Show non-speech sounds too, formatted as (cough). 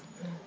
(hesitation) (hesitation)